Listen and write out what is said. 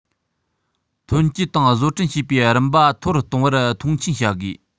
ཐོན སྐྱེད དང བཟོ སྐྲུན བྱེད པའི རིམ པ མཐོ རུ གཏོང བར མཐོང ཆེན བྱ དགོས